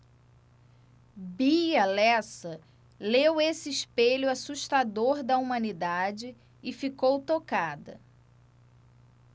bia lessa leu esse espelho assustador da humanidade e ficou tocada